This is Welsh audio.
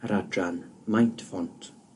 yr adran Maint Ffont.